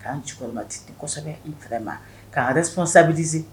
K'an cɛkɔrɔba tensɛbɛ fɛ ma' yɛrɛ sɔnsabi disin